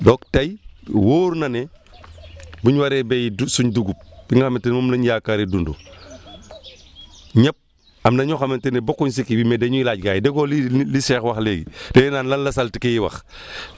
donc tey wóor na ne buñ waree béy du suñ dugub bi nga xamante ne moom lañ yaakaaree dund ñëpp am na ñoo xamante ne bokkuñ si kii bi mais dañuy laaj gaa yi déggóo lii li Cheikh wax léegi dañu naan lan la saltige yi wax